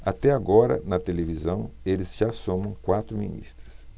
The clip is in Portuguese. até agora na televisão eles já somam quatro ministros